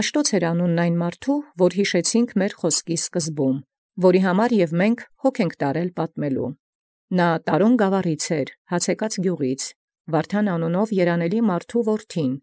Կորյուն ԱՌՆ, զոր ի նախակարգ բանիս նշանակեմք, վասն որոյ և փոյթ արարեալ մեր պատմելոյ, էր Մաշթոց անուն, ի Տարաւնական գաւառէն, ի Հացեկաց գեղջէ, որդի առն երանելւոյ Վարդան կոչեցելոյ։